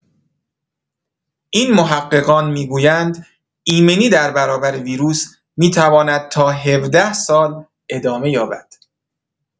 این محققان می‌گویند ایمنی در برابر ویروس می‌تواند تا ۱۷ سال ادامه یابد.